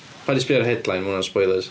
Paid a sbïo ar yr headline, ma' hwnna'n spoilers.